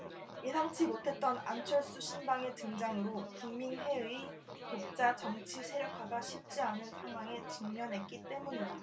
예상치 못했던 안철수 신당의 등장으로 국민회의의 독자 정치세력화가 쉽지 않은 상황에 직면했기 때문이다